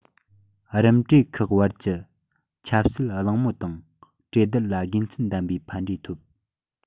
རིམ གྲས ཁག བར གྱི ཆབ སྲིད གླེང མོལ དང གྲོས བསྡུར ལ དགེ མཚན ལྡན པའི ཕན འབྲས ཐོབ